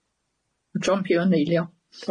yn eilio